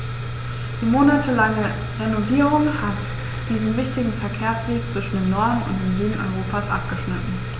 Die monatelange Renovierung hat diesen wichtigen Verkehrsweg zwischen dem Norden und dem Süden Europas abgeschnitten.